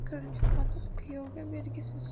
kuzgi qatiq kuyovga bergisiz